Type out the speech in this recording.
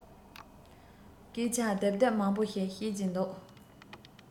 སྐད ཆ ལྡབ ལྡིབ མང པོ ཞིག བཤད ཀྱིན འདུག